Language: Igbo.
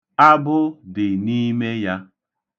Abụ dị n'ime ya.